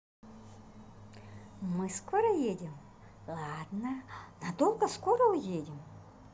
мы скоро едем ладно на долго скоро уедем